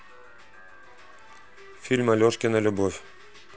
фильм алешкина любовь